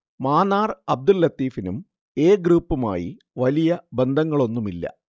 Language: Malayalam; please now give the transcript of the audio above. മാന്നാർ അബ്ദുൽ ലത്തീഫിനും എ ഗ്രൂപ്പുമായി വലിയ ബന്ധങ്ങളൊന്നുമില്ല